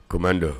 Oman don